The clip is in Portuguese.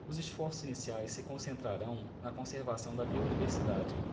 os esforços iniciais se concentrarão na conservação da biodiversidade